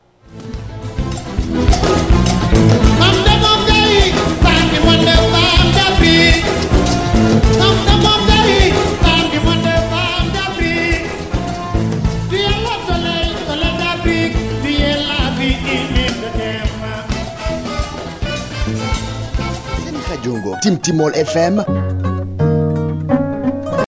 Timtimol FM